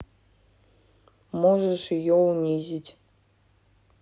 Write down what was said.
можешь ее унизить